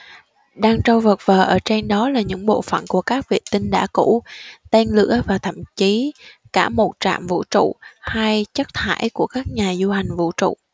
đang trôi vật vờ trên đó là những bộ phận của các vệ tinh đã cũ tên lửa và thậm chí cả một trạm vũ trụ hay chất thải của các nhà du hành vũ trụ